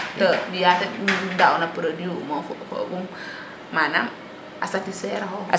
te yete daaw na produit umo fogum manaam satisfaire a xoxum